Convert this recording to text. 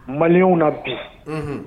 Maliw na bi